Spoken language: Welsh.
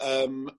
yym